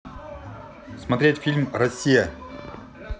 смотреть фильмы россия